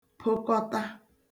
pokọta